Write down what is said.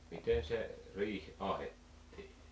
miten se riihi ahdettiin